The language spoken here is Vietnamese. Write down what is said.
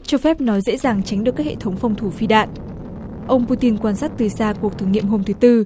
cho phép nó dễ dàng tránh được các hệ thống phòng thủ phi đạn ông pu tin quan sát từ sa về cuộc thử nghiệm hôm thứ tư